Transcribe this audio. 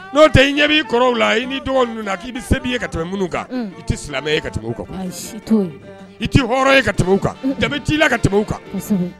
N'o tɛ i ɲɛ'i kɔrɔw la ii dɔgɔnin ninnu k'i bɛ se' ye ka tɛmɛ minnu kan i tɛ silamɛ ye ka kan i tɛ hɔrɔn ye tɛmɛ kan cii la ka kan